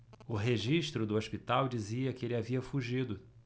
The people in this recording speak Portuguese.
o registro do hospital dizia que ele havia fugido